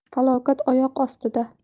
falokat oyoq ostida